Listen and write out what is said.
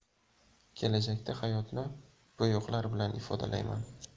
kelajakda hayotni bo'yoqlar bilan ifodalayman